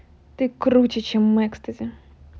ты круче чем экстази